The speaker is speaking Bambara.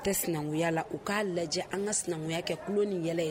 Tɛ sinanya la u k'a lajɛ an ka sinankunya kɛ kolon ni yɛlɛ ye